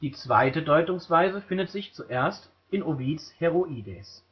zweite Deutungsweise findet sich zuerst in Ovids Heroides